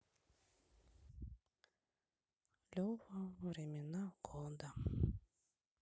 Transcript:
лева времена года